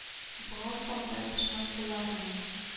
Богау салды дошман кулларыма